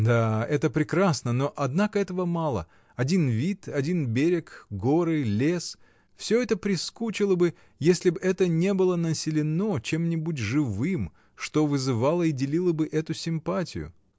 — Да, это прекрасно, но одного этого мало: один вид, один берег, горы, лес — всё это прискучило бы, если б это не было населено чем-нибудь живым, что вызывало и делило бы эту симпатию.